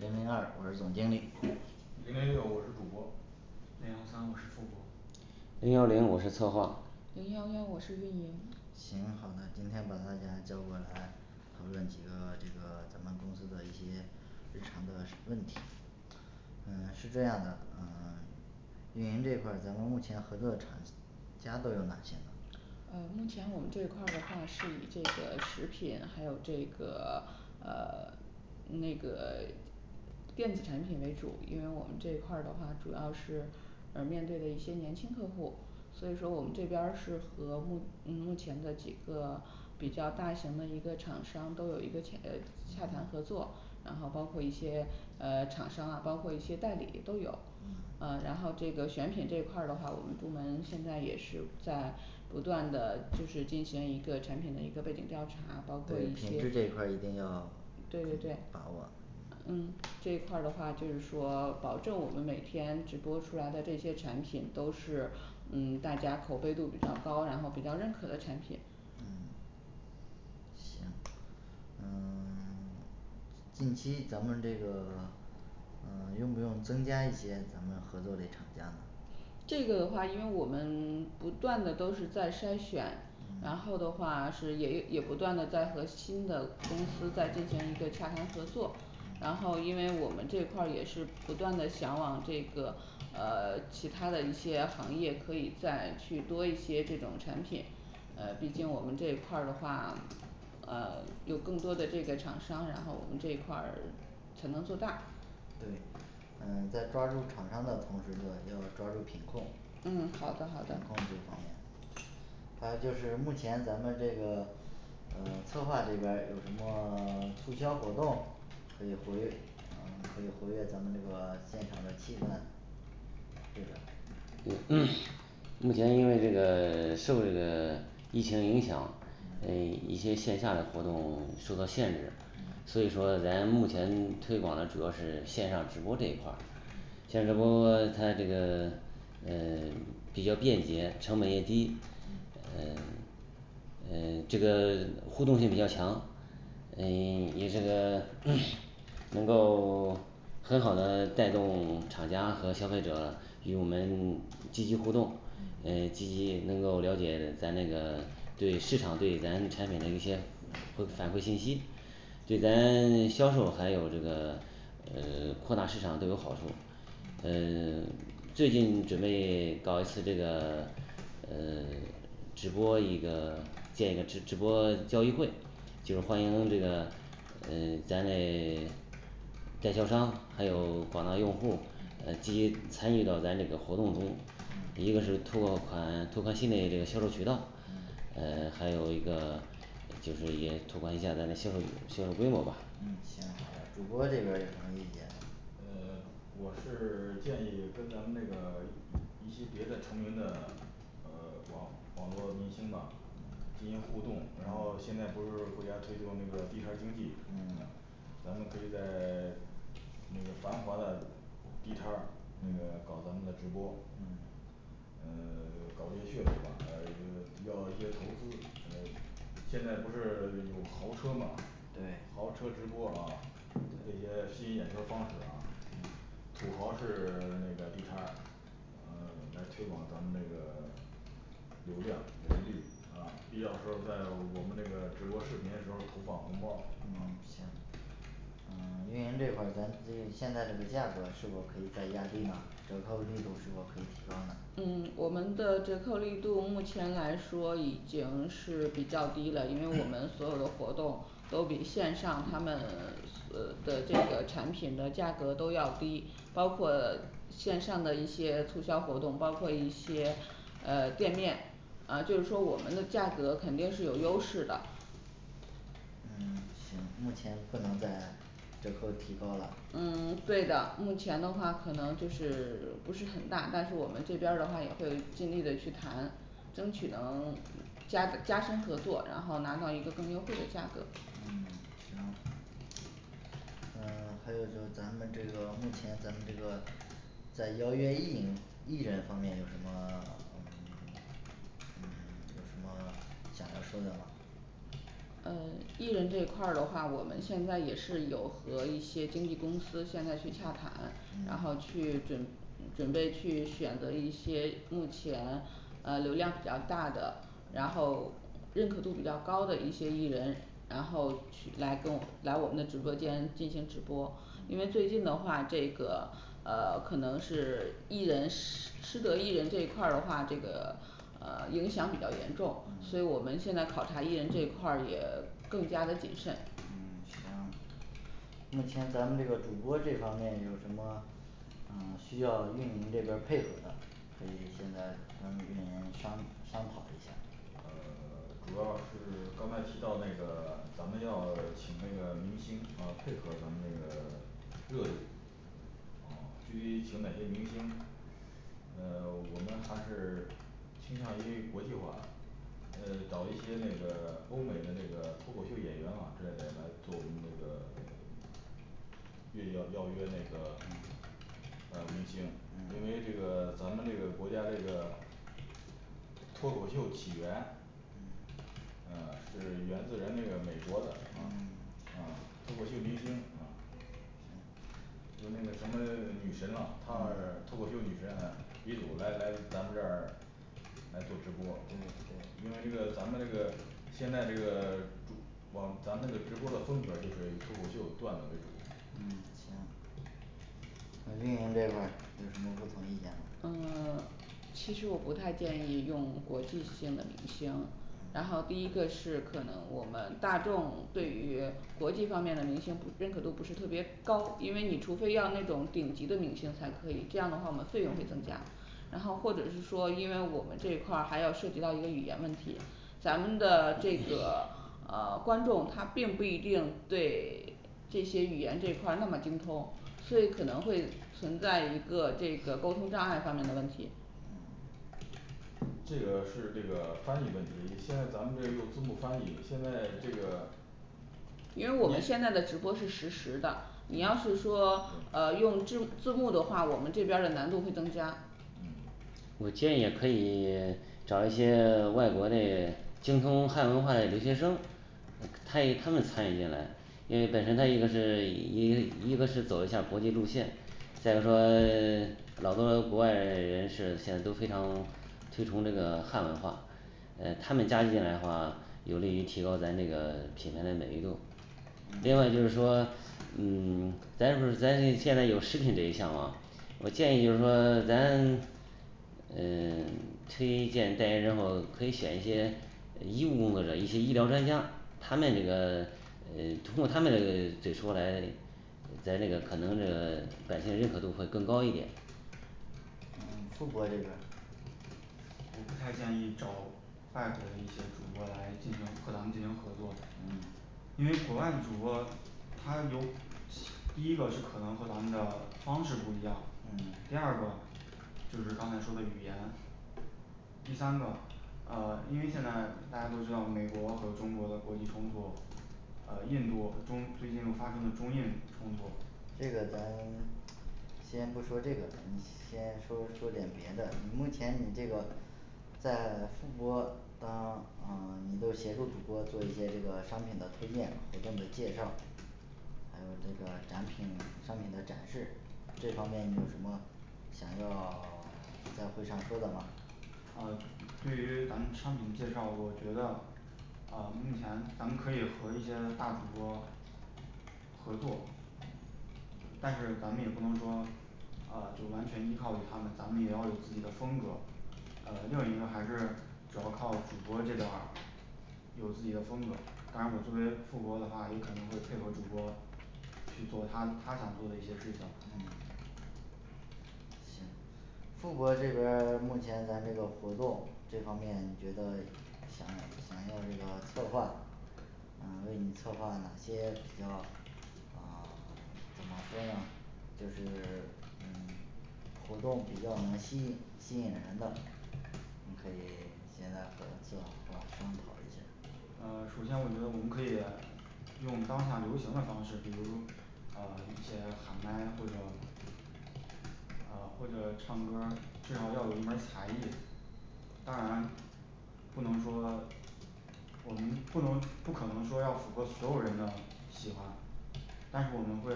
零零二我是总经理零零六我是主播零幺三我是副播零幺零我是策划零幺幺我是运营行，好的，今天把大家都叫过来，讨论几个这个咱们公司的一些日常的问题嗯 是这样的，嗯 运营这一块儿咱们目前合作的厂家都有哪些呢？呃目前我们这块儿的话是以这个食品还有这个呃 那个 电子产品为主，因为我们这一块儿的话主要是嗯面对的一些年轻客户儿所以说我们这边儿是和目目前的几个比较大型的一个厂商都有一个恰 洽谈合作，然后包括一些呃厂商啊，包括一些代理都有。嗯然后这个选品这一块儿的话，我们部门现在也是在不断的就是进行一个产品的一个背景调查，包括对，一些品质这一块儿一定要对对把对握嗯这一块儿的话就是说保证我们每天直播出来的这些产品都是嗯大家口碑度比较高，然后比较认可的产品。行嗯 近期咱们这个 嗯用不用增加一些咱们合作嘞厂家呢？这个的话因为我们不断的都是在筛选，然后的话是也也不断的在和新的公司在进行一个洽谈合作，然后因为我们这块儿也是不断的想往这个呃其他的一些行业，可以再去多一些这种产品，嗯毕竟我们这一块儿的话嗯有更多的这个厂商，然后我们这一块儿才能做大。对。嗯在抓住厂商的同时呢，要抓住品控，品嗯控好这的好的方面还有就是目前咱们这个嗯策划这边儿有什么促销活动，可以活跃，呃可以活跃咱们这个现场的气氛。这边儿嗯 目前因为这个受这个疫情影响，呃一些线下的活动受到限制，所以说咱目前推广的主要是线上直播这一块儿像直播 它这个 呃 比较便捷，成本也低。呃呃这个互动性比较强。嗯你这个能够很好的带动厂家和消费者与我们积极互动，嗯积极能够了解咱这个对市场对咱产品的一些反 反馈信息。就咱 销售还有这个嗯扩大市场都有好处。 嗯 最近准备搞一次这个嗯直播一个，建一个直直播交易会，就是欢迎这个嗯咱嘞代销商还有广大用户儿嗯嗯积极参与到咱这个活动中，嗯一个是拓宽拓宽新的一个销售渠道，嗯呃还有一个就是也拓宽一下咱的销售销售规模吧。嗯行，好嘞主播这边儿有什么意见。呃 我是 建议跟咱们那个一一一些别的成名的，呃网网络明星吧，进行互动。然后现嗯在不是国家推动这个地摊儿经济嗯嗯咱们可以在， 那个繁华的地摊儿那个搞咱们的直播。嗯呃 搞一些噱头吧呃 比较一些投资额，现在不是 有豪车吗？对豪车直播啊，这些吸引眼球的方式啊，土豪式 那个地摊儿，呃来推广咱们那个流量点击率。啊必要时候儿在我们那个直播视频的时候儿投放红包儿啊嗯。行嗯运营这块儿咱这现在这个价格是否可以再压低呢，折扣力度是否可以提高呢？嗯我们的折扣力度目前来说已经是比较低的，因为我们所有的活动都比线上他们呃的那个产品的价格都要低，包括线上的一些促销活动包括一些呃店面。呃就是说我们的价格肯定是有优势的。嗯 行，目前不能再折扣提高了？呃对的，目前的话可能就是不是很大，但是我们这边儿的话也会尽力的去谈。争取能加加深合作，然后拿到一个最优惠的价格。嗯 行，呃还有就是咱们这个目前咱们这个在邀约艺银 艺人方面有什么嗯 嗯 有什么想要说的吗?呃艺人这块儿的话我们现在也是有和一些经纪公司现在去洽谈，然后嗯去准准备去选择一些目前呃流量比较大的然后认可度比较高的一些艺人，然后去来跟我来我们的直播间进行直播。因为最近的话这个，呃可能是艺人失失德艺人这块儿的话这个呃影响比较严重，所以我嗯们现在考察艺人这一块儿也更加的谨慎嗯行，目前咱们这个主播这一方面有什么呃需要运营这边儿配合的？可以现在跟运营商商讨一下。呃 主要是刚才提到那个咱们要请那个明星呃配合咱们那个 热度，啊具体请哪些明星，呃我们还是倾向于国际化呃找一些那个欧美的那个脱口秀演员啊之类来做我们这个。 约邀邀约那个嗯，呃明星。因为这个咱们这个国家这个脱口秀起源，呃是源自然那个美国的，啊脱口秀明星啊，就那个什么女神啊，他儿脱口秀女神鼻祖来来咱们这儿来做直播。因为这个咱们这个现在这个，做 网 咱这个直播风格就是脱口秀段子为主。嗯行儿，那运营这块儿有什么不同的意见吗？呃 其实我不太建议用国际型的巨星。然后第一个是可能我们大众对于国际方面的明星认可度不是特别高，因为你除非要那种顶级的明星才可以，这样的话我们费用会增加。然后或者是说因为我们这块儿还要涉及到一个语言问题，咱们的这个呃观众他并不一定对 这些语言这一块儿那么精通，这有可能会存在一个这个沟通障碍上面的问题嗯。这个是这个翻译问题，现在咱们这个用字幕翻译，现在这个。因为我们现在的你直播是实时的，你要是说嗯对呃用至字幕的话我们这边儿的难度会增加嗯我建议可以找一些外国这，精通汉文化的留学生，派他们参与进来，因为本身他一个是一一个是走向国际路线，再者说呃 老多国外人士现在都非常推崇这个汉文化。呃他们加入进来的话有利于提高咱这个品牌的美誉度。另外就是说，嗯 咱不是咱现在有食品这一项吗。我建议就是说咱呃 推荐代言人或者可以选一些呃医务工作者一些医疗专家，他们这个，呃通过他们 嘴说来，咱这个可能这个百姓认可度会更高一点。副播这个。我不太建议找外国的一些主播来进行和咱们进行合作的。嗯因为国外的主播他有 第一个是可能和咱们的方式不一样，嗯第二个就是刚才说的语言第三个，呃因为现在大家都知道美国和中国的国际冲突，呃印度和中最近又发生了中印冲突。这个咱 先不说这个的问题，先说说点别的。目前你这个在副播当呃比如说协助主播做一些这个商品的推荐，活动的介绍。还有这个展品商品的展示，这方面你有什么想要 在会上说的吗？呃对于咱们商品的介绍，我觉得，呃目前咱们可以和一些大主播，合作。但是咱们也不能说呃就完全依靠于他们，咱们也要有自己的风格。呃另一个还是主要靠主播这边儿，有自己的风格。当然我作为副播的话也肯定会配合主播，去做他他想做的一些事情嗯。，行副播这边儿 目前咱这个活动，这方面你觉得想想要这个策划，呃为你策划哪些比较，呃 怎么说呢，就是嗯，活动比较能吸引吸引人的，你可以现在和策划商讨一下。呃首先我觉得我们可以用当下流行的方式，比如，呃一些喊麦或者，呃或者唱歌儿，至少要有一门儿才艺。当然，不能说，我们不能不可能说要符合所有人的喜欢。但是我们会